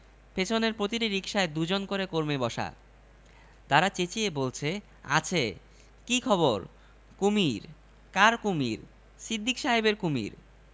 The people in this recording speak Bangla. আমাদের রেডিও কি আর শোনার উপায় আছে এই নাও বাবার ৫০০ টাকা দলের প্রধান এমন ভাব করল যে সে খুবই অপমানিত হয়েছে মুখ বেঁকিয়ে বলল